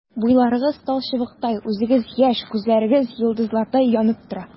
Буйларыгыз талчыбыктай, үзегез яшь, күзләрегез йолдызлардай янып тора.